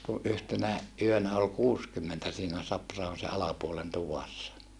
kun yhtenä yönä oli kuusikymmentä siinä Sapra-ahon sen alapuolen tuvassa